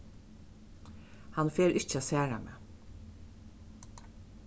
hann fer ikki at særa meg